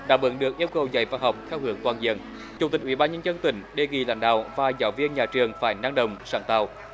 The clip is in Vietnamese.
đáp ứng được yêu cầu dạy và học theo hướng tăng dần chủ tịch ủy ban nhân dân tỉnh đề nghị lãnh đạo và giáo viên nhà trường phải năng động sáng tạo